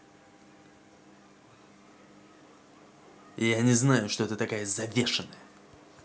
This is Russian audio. я не знаю что ты такая завешенная